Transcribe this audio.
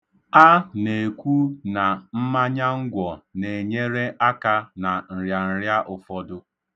A na-ekwu na mmanyangwọ na-enyere aka na nrịanrịa ụfọdụ.